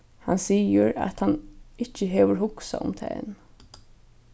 hann sigur at hann ikki hevur hugsað um tað enn